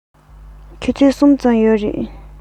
ཆུ ཚོད གསུམ ཙམ ཡོད རེད